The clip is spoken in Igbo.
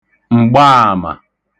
m̀gbaàmà